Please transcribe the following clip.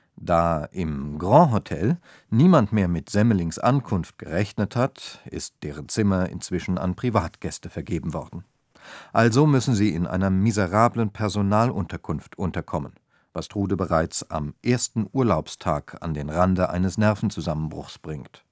Da im Grand-Hotel niemand mehr mit Semmelings Ankunft gerechnet hat, ist deren Zimmer inzwischen an Privatgäste vergeben worden. Also müssen sie in einer miserablen Personalunterkunft unterkommen, was Trude bereits am ersten Urlaubstag an den Rande eines Nervenzusammenbruchs bringt